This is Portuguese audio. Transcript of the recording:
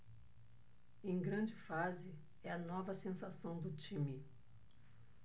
em grande fase é a nova sensação do time